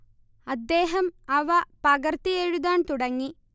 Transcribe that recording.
അദ്ദേഹം അവ പകർത്തി എഴുതാൻ തുടങ്ങി